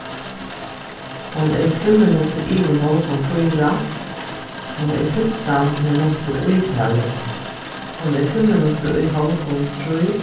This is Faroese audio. hon er fimm minuttir yvir hálvgum fýra hon er fimtan minuttir í tólv hon er fimm minuttir í hálvgum trý